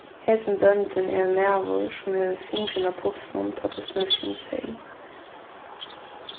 hesin bóndin er ein maður sum hevur fingurin á pulsinum tá tað snýr seg um seyð